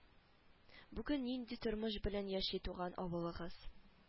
Бүген нинди тормыш белән яши туган авылыгыз